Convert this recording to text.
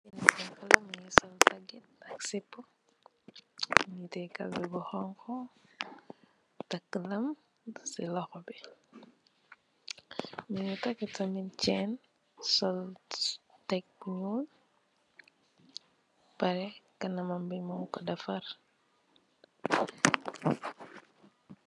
Kii nak janxe la, mingi sol daggit ak sipu, mingi tiye kalpe bu xonxu, takk lam si loxo bi, mingi takk tamin ceen, sol teg bu nyuul, pare kanamam bi mung ko dafar,